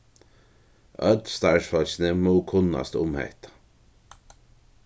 øll starvsfólkini mugu kunnast um hetta